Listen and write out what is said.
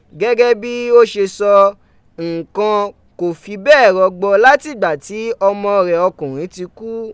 Gẹgẹ bi o ṣe sọ, nnkan ko fi bẹẹ rọgbọ latigba ti ọmọ rẹ ọkunrin ti ku.